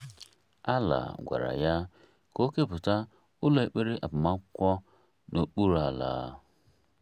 Allah gwara ya ka o kepụta ụlọ ekpere agbamakwụkwọ n'okpuru ala.